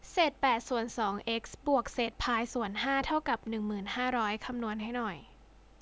เศษแปดส่วนสองเอ็กซ์บวกเศษพายส่วนห้าเท่ากับหนึ่งหมื่นห้าร้อยคำนวณให้หน่อย